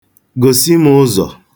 Gosi m ụzọ.